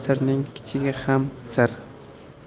sirning kichigi ham sir